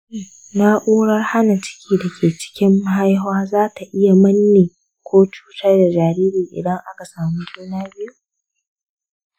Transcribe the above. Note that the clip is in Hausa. shin na’urar hana ciki da ke cikin mahaifa za ta iya manne ko cutar da jariri idan aka samu juna biyu?